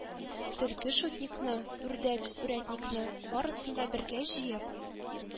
Төлке шутникны, үрдәк үрәтникны — барысын да бергә җыеп,